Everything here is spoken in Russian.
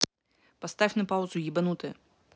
поставь на паузу ебанутая